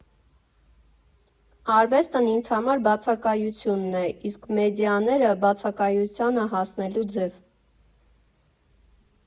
Արվեստն ինձ համար բացակայությունն է, իսկ մեդիաները՝ բացակայությանը հասնելու ձև։